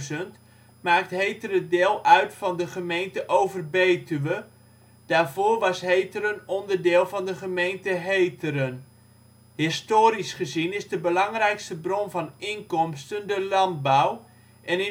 2000 maakt Heteren deel uit van de gemeente Overbetuwe, daarvoor was Heteren onderdeel van de gemeente Heteren. Historisch gezien is de belangrijkste bron van inkomsten de landbouw en